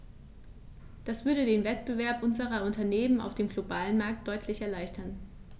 Das würde den Wettbewerb unserer Unternehmen auf dem globalen Markt deutlich erleichtern.